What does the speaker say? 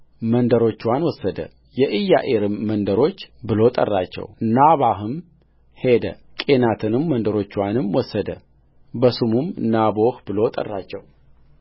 መንደሮችዋን ወሰደ የኢያዕርም መንደሮች ብሎ ጠራቸውኖባህም ሄደ ቄናትንም መንደሮችዋንም ወሰደ በስሙም ኖባህ ብሎ ጠራቸው